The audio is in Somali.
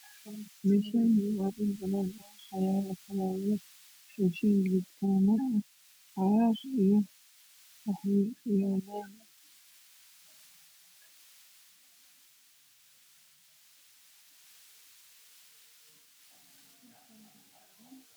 Meeshaan waa dhul banaan ah waxaa yaalo falaawaro kala ah cagaar, qaxwi iyo cadaan.